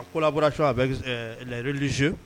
collaboration avec les religieux